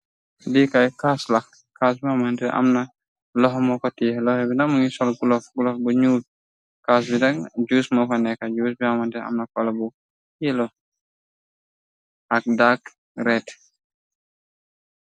Di kay caaslak caas bomante amna loxo mo ko tiix loxe bina y sol logulof bu nuw cas vidan juus mofo neka jus bomante amna fola bu yëlo ak dak ret.